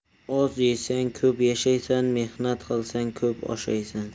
oz yesang ko'p yashaysan mehnat qilsang ko'p oshaysan